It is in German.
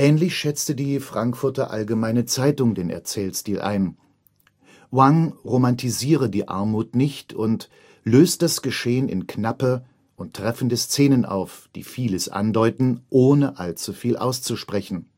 Ähnlich schätzte die Frankfurter Allgemeine Zeitung den Erzählstil ein. Wang romantisiere die Armut nicht und „ löst (...) das Geschehen in knappe und treffende Szenen auf, die vieles andeuten, ohne allzu viel auszusprechen